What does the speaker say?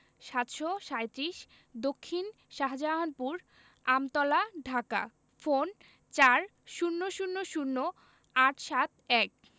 ৭৩৭ দক্ষিন শাহজাহানপুর আমতলা ধাকা ফোনঃ ৪০০০৮৭১